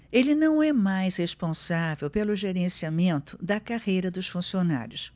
ela não é mais responsável pelo gerenciamento da carreira dos funcionários